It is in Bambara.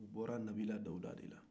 u bɔra nabila dawuda de la